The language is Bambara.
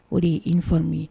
O de ye uniforme ye